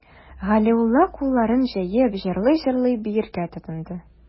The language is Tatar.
Галиулла, кулларын җәеп, җырлый-җырлый биергә тотынды.